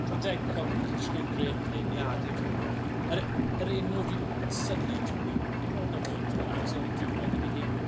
John Degenkolb ddim 'di dishgwl yn grêt leni... Na dyw e ddim na. ...yr e- yr enw fi'n synnu t'od ni bron a fod yn agos i ar y diwedd a ni heb